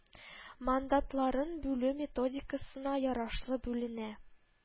Мандатларын бүлү методикасына ярашлы бүленә